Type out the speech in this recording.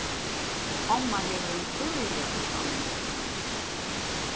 omma hevur ein øgiliga fittan hund